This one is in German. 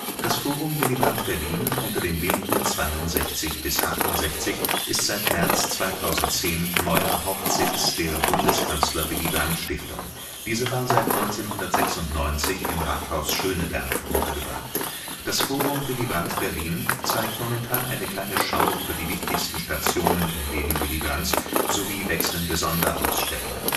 Das Forum Willy Brandt Berlin, Unter den Linden 62-68, ist seit März 2010 neuer Hauptsitz der Bundeskanzler-Willy-Brandt-Stiftung. Diese war seit 1996 im Rathaus Schöneberg untergebracht. Das Forum Willy Brandt Berlin zeigt momentan eine kleine Schau über die wichtigsten Stationen im Leben Willy Brandts sowie wechselnde Sonderausstellungen